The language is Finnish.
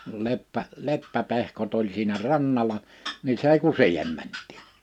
no - leppäpehkot oli siinä rannalla niin se ei kuin siihen mentiin